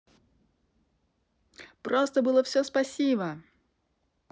просто было все спасибо